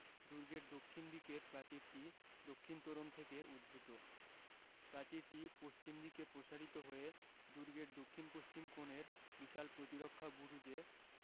দুর্গের দক্ষিণ দিকের প্রাচীরটি দক্ষিণ তোরণ থেকে উদ্ভূত প্রাচীরটি পশ্চিম দিকে প্রসারিত হয়ে দুর্গের দক্ষিণ পশ্চিম কোণের বিশাল প্রতিরক্ষা বুরুজে